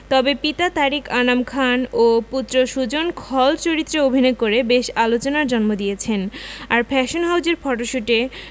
তবে পিতা তারিক আনাম খান ও পুত্র সুজন খল চরিত্রে অভিনয় করে বেশ আলোচনার জন্ম দিয়েছেন আর ফ্যাশন হাউজের ফটোশুটে